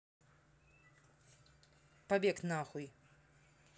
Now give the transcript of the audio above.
побег нахуй